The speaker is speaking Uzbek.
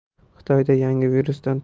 xitoyda yangi virusdan